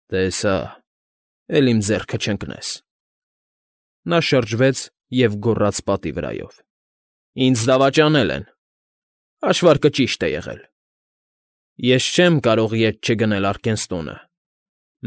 Տե՜ս հա՜, էլ իմ ձեռքը չընկնես։֊ Նա շրջվեց և գոռաց պատի վրայով,֊ Ինձ դավաճանել են… Հաշվարկը ճիշտ է եղել. ես չեմ կարող ետ չգնել Արկենստոնը,